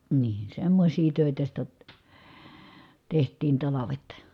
niin semmoisia töitä sitä tehtiin talvet